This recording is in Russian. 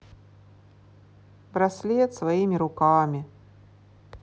браслет своими руками